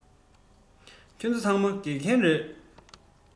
ཁྱེད ཚོ ཚང མ དགེ རྒན རེད